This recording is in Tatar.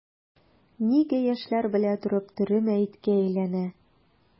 Нигә яшьләр белә торып тере мәеткә әйләнә?